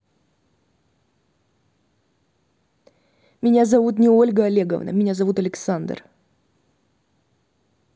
меня зовут не ольга олеговна меня зовут александр